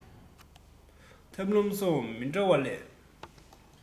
ཐབས ལམ སོགས མི འདྲ བ ལས